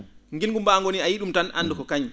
guilgu mbaangu nii a yiyii ?um tan andu ko kañum